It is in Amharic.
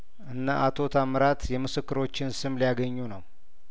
እነ አቶ ታምራት የምስክሮችን ስም ሊያገኙ ነው